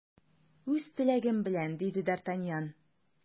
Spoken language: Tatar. Үз теләгем белән! - диде д’Артаньян.